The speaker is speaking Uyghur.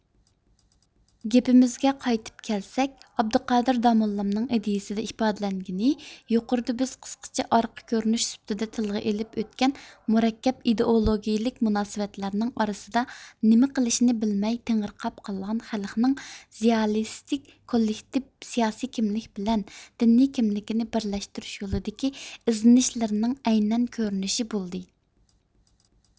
گېپىمىزگە قايتىپ كەلسەك ئابدۇقادىر داموللامنىڭ ئىدىيىسىدە ئىپادىلەنگىنى يۇقىرىدا بىز قىسقىچە ئارقا كۆرۈنۈش سۈپىتىدە تىلغا ئېلىپ ئۆتكەن مۇرەككەپ ئىدېئولوگىيىلىك مۇناسىۋەتلەرنىڭ ئارىسىدا نېمە قىلىشىنى بىلمەي تېڭىرقاپ قالغان خەلقنىڭ زىيالىيسىنىڭ كوللېكتىپ سىياسىي كىملىك بىلەن دىنىي كىملىكنى بىرلەشتۈرۈش يولىدىكى ئىزدىنىشلىرىنىڭ ئەينەن كۆرۈنۈشى بولدى